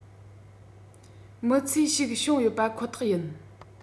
མི ཚེའི ཞིག བྱུང ཡོད པ ཁོ ཐག ཡིན